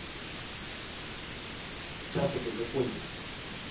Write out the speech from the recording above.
сейчас это закончится